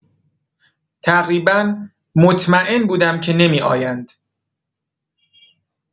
تقریبا مطمئن بودم که نمی‌آیند.